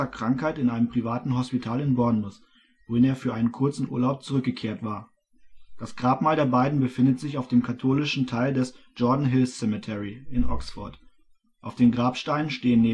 Krankheit in einem privaten Hospital in Bournemouth, wohin er für einen kurzen Urlaub zurückgekehrt war. Das Grabmal der beiden befindet sich auf dem katholischen Teil des » Jordan Hill Cemetery « in Oxford; auf den Grabsteinen stehen